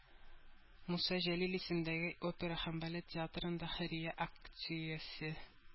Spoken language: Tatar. Муса Җәлил исемендәге опера һәм балет театрында – хәйрия акциясе